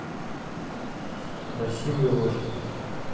красивые лошади